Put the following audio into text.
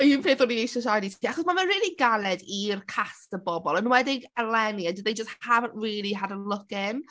Un peth ro'n i eisie siarad i ti, achos mae fe'n really galed i'r cast o bobl, yn enwedig eleni I d- they just haven't really had a look in.